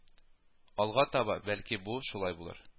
Алга таба, бәлки, бу шулай булыр